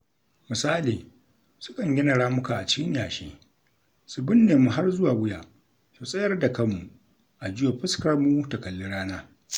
Misali, sukan gina ramuka a cikin yashi, su binne mu har zuwa wuya, su tsayar da kanmu, a juya fuskarmu ta kalli rana.